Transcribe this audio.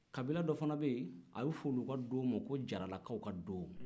kabila dɔ fana bɛ yen a bɛ f'olu ka do ma ko jaralakaw ka do